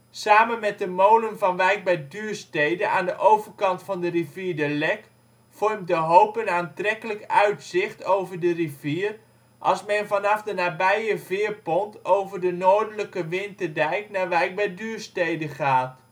Samen met de molen van Wijk bij Duurstede aan de overkant van de rivier de Lek vormt De Hoop een aantrekkelijk uitzicht over de rivier als men vanaf de nabije veerpont over de noordelijke winterdijk naar Wijk bij Duurstede gaat